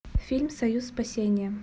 фильм союз спасения